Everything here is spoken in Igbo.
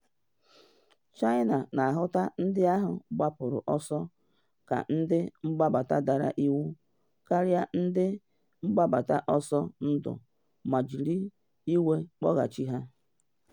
China na ahụta ndị ahụ gbapụrụ ọsọ ka ndị mgbabata dara iwu karịa ndị mgbabata ọsọ ndụ ma jiri iwe kpọghachi ha.